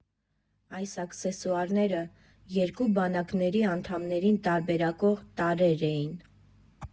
Այս աքսեսուարները երկու բանակների անդամներին տարբերակող տարրերից էին։